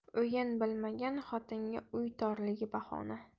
o'yin bilmagan xotinga uy torligi bahona